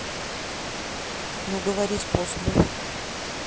ну говори способы